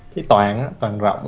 chữ toàn á toàn rộng á